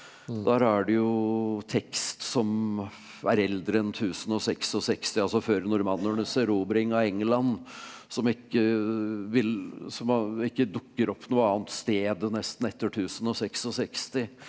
der er det jo tekst som er eldre enn tusenogsekstiseks altså før normannernes erobring av England som ikke vil som ikke dukker opp noe annet sted nesten etter tusenogsekstiseks.